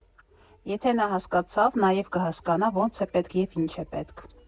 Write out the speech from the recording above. Եթե նա հասկացավ, նաև կհասկանա՝ ոնց է պետք, և ինչ է պետք։